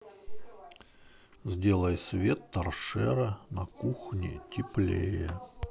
сделай свет торшера на кухне теплее